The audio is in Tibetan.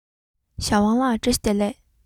ཞའོ ཝང ལགས བཀྲ ཤིས བདེ ལེགས